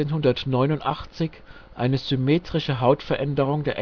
1889 eine symmetrische Hautveränderung der